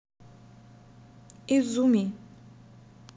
изуми